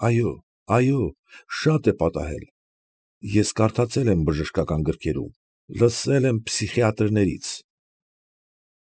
Այո, այո, շատ է պատահել, ես կարդացել եմ բժշկական գրքերում, լսել եմ պսիխիատրներից։